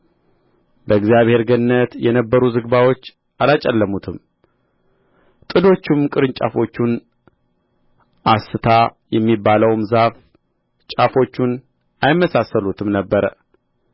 በእግዚአብሔር ገነት የነበሩ ዝግባዎች አላጨለሙትም ጥዶችም ቅርጫፎቹን አስታ የሚባለውም ዛፍ ጫፎቹን አይመሳሰሉትም ነበር